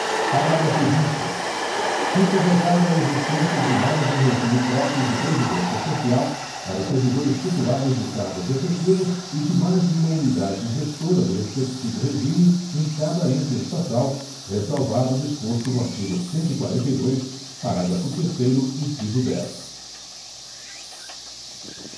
parágrafo vinte fica vedada a existência de mais de um regime próprio de previdência social para os servidores titulares de cargos efetivos e de mais de uma unidade gestora do respectivo regime em cada ente estatal ressalvado o disposto no artigo cento e quarenta e dois parágrafo terceiro inciso dez